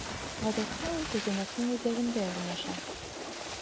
Гадәттә, ул күзәнәкнең үзәгендә урнаша.